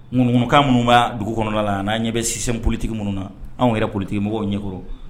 Ŋumunukan minnu b bɛa dugu kɔnɔda la a n'an ɲɛ bɛ sinsin politigi minnu na anw yɛrɛ politigi mɔgɔw ɲɛkɔrɔ